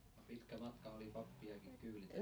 no pitkä matka oli pappiakin kyyditä